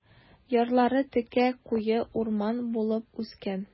Ярлары текә, куе урман булып үскән.